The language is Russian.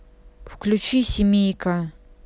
включи семейка